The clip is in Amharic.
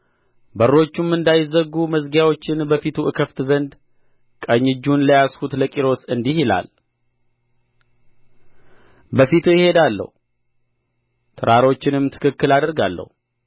በሮቹም እንዳይዘጉ መዝጊያዎቹን በፊቱ እከፍት ዘንድ ቀኝ እጁን ለያዝሁት ለቂሮስ እንዲህ ይላል በፊትህ እሄዳለሁ ተራሮችንም ትክክል አደርጋለሁ